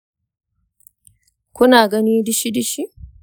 ku na gani dushi-dushi